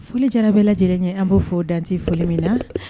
Foli jara bɛ lajɛlen ye . An bo fo dan te foli min na.